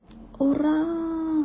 Ура!